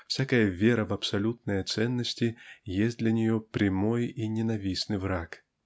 всякая вера в абсолютные ценности есть для нее прямой и ненавистный враг.